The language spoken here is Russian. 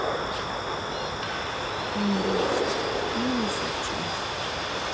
умри но не сейчас